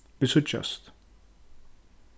vit síggjast